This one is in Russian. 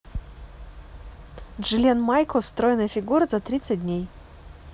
джиллиан майклс стройная фигура за тридцать дней